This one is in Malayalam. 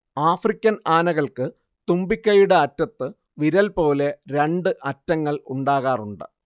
ആഫ്രിക്കൻ ആനകൾക്ക് തുമ്പിക്കൈയുടെ അറ്റത്ത് വിരൽ പോലെ രണ്ട് അറ്റങ്ങൾ ഉണ്ടാകാറുണ്ട്